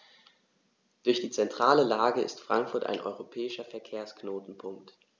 Durch die zentrale Lage ist Frankfurt ein europäischer Verkehrsknotenpunkt.